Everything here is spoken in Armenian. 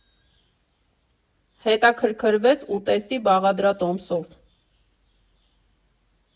Հետաքրքրվեց ուտեստի բաղադրատոմսով.